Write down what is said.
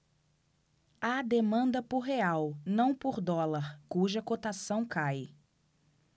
há demanda por real não por dólar cuja cotação cai